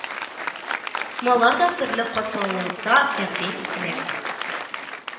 Малар да төрле катлаулылыкта тәкъдим ителә